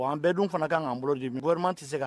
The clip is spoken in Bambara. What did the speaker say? An bɛɛ dun fana k kan' bolo n ŋɔrima tɛ se ka